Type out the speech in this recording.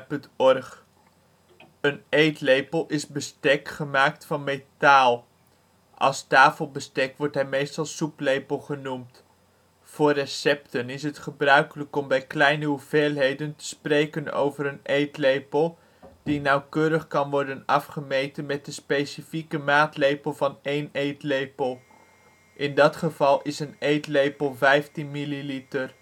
Een eetlepel is bestek, meestal gemaakt van metaal. Als tafelbestek wordt hij meestal soeplepel genoemd. Voor recepten is het gebruikelijk om bij kleine hoeveelheden te spreken over een eetlepel, die nauwkeurig kan worden afgemeten met de specifieke maatlepel van één eetlepel. In dat geval is een eetlepel 15 milliliter